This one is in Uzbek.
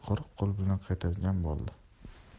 qo'l bilan qaytadigan bo'ldi